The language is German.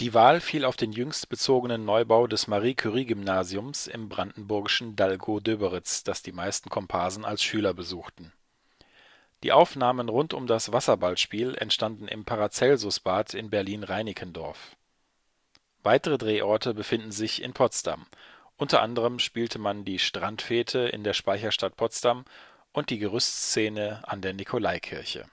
Wahl fiel auf den jüngst bezogenen Neubau des Marie-Curie-Gymnasiums im brandenburgischen Dallgow-Döberitz, das die meisten Komparsen als Schüler besuchten. Die Aufnahmen rund um das Wasserballspiel entstanden im Paracelsus-Bad in Berlin-Reinickendorf. Weitere Drehorte befinden sich in Potsdam: Unter anderem spielte man die Strand-Fete in der Speicherstadt Potsdam und die Gerüstszene an der Nikolaikirche